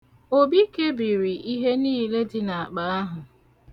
Obi kebiri ihe niile dị n'akpa ahụ.